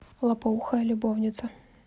лопоухая любовница